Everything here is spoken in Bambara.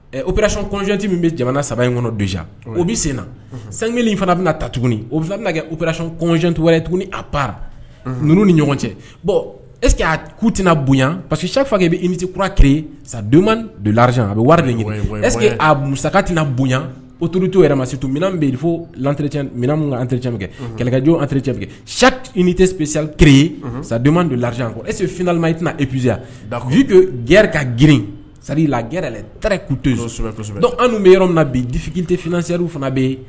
Oerejɔnti min bɛ jamana saba in kɔnɔ donya o bɛ sen na san kelen fana bɛna ta tuguni o kɛ ojɔnti wɛrɛ tuguni a para ninnu ni ɲɔgɔn cɛ bɔn ɛseke a ku tɛna bonyayan parce quefa iti kura kere sado don lare a bɛ wariseke a musa tɛna bonyayan o tuurutu yɛrɛ masitu minɛn bɛ fɔ an terikɛ kɛlɛkɛj an terire sa tɛ sa keree sadenwma don re eseinalima e tɛna e pzya gɛrɛri ka grin laɛrɛ ku bɛ yɔrɔ min na bifi tɛ finasɛri fana bɛ yen